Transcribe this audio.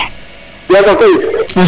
kaga koy